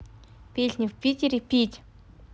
песни в питере пить